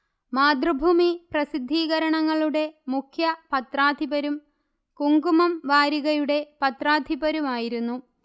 മാതൃഭൂമി പ്രസിദ്ധീകരണങ്ങളുടെ മുഖ്യ പത്രാധിപരും കുങ്കുമം വാരികയുടെ പത്രാധിപരുമായിരുന്നു